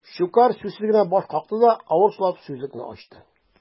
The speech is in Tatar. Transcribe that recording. Щукарь сүзсез генә баш какты да, авыр сулап сүзлекне ачты.